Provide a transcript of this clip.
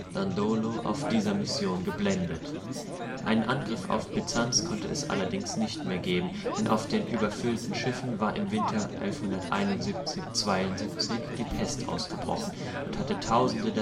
Dandolo auf dieser Mission geblendet. Einen Angriff auf Byzanz konnte es allerdings nicht mehr geben, denn auf den überfüllten Schiffen war im Winter 1171/72 die Pest ausgebrochen und hatte Tausende